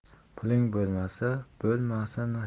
puling bo'lmasa bo'lmasin